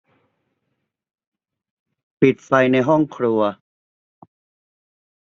ปิดไฟในห้องครัว